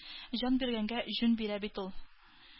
Җан биргәнгә җүн бирә бит ул.